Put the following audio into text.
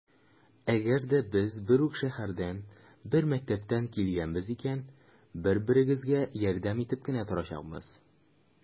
Әгәр дә без бер үк шәһәрдән, бер мәктәптән килгәнбез икән, бер-беребезгә ярдәм итеп кенә торачакбыз.